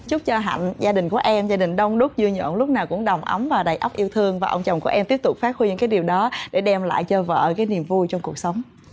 chúc cho hạnh gia đình của em gia đình đông đúc vui nhộn lúc nào cũng đầm ấm và đầy ắp yêu thương và ông chồng của em tiếp tục phát huy những cái điều đó để đem lại cho vợ cái niềm vui trong cuộc sống